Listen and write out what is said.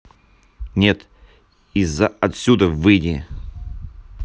нет из за отсюда выйти